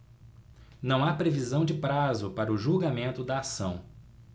não há previsão de prazo para o julgamento da ação